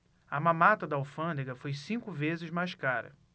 a mamata da alfândega foi cinco vezes mais cara